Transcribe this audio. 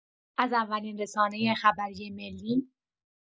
از اولین رسانه خبری ملی